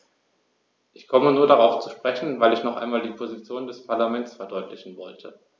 Ich komme nur darauf zu sprechen, weil ich noch einmal die Position des Parlaments verdeutlichen wollte.